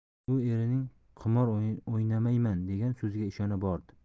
u erining qimor o'ynamayman degan so'ziga ishona bordi